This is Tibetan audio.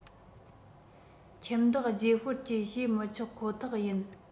ཁྱིམ བདག བརྗེ སྤོར གྱི བྱེད མི ཆོག ཁོ ཐག ཡིན